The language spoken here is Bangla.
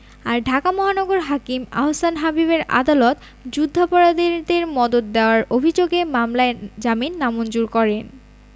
আর ঢাকা মহানগর হাকিম আহসান হাবীবের আদালত যুদ্ধাপরাধীদের মদদ দেওয়ার অভিযোগের মামলায় জামিন নামঞ্জুর করেন